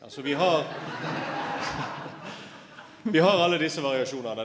altså vi har vi har alle disse variasjonane.